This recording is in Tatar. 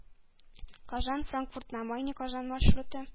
Казан - Франкфурт-на-Майне – Казан маршруты